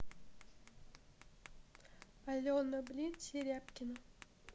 алена блин серябкина